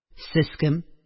– сез кем?